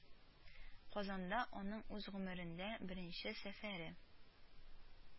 Казанга аның үз гомерендә беренче сәфәре